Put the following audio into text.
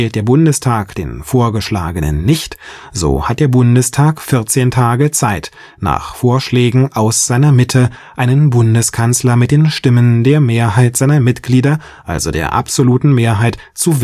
der Bundestag den Vorgeschlagenen nicht, so hat der Bundestag vierzehn Tage Zeit, nach Vorschlägen aus seiner Mitte einen Bundeskanzler mit den Stimmen der Mehrheit seiner Mitglieder (absolute Mehrheit) zu